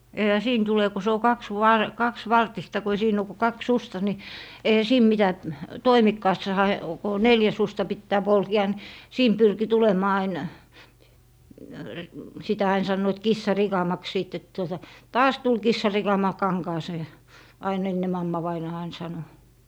eihän siinä tule kun se on - kaksivartista kun ei siinä ole kuin kaksi suksea niin eihän siinä mitä toimikkaassahan kun on neljä suksea pitää polkea niin siinä pyrki tulemaan aina sitä aina sanoivat kissanrikamaksi sitten tuota taas tuli kissanrikama kankaaseen aina ennen mammavainaa aina sanoi